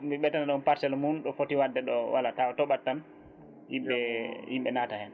mi ɓetane ɗon parcelle *footi wadde ɗo voilà tawa tooɓat tan yimɓe yimɓe naata hen